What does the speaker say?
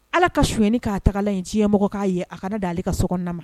Ala ka syni k'a taga yen ciɲɛmɔgɔ k'a ye a kana da ale ka so na ma